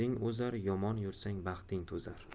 yomon yursang baxting to'zar